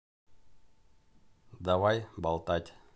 давай болтать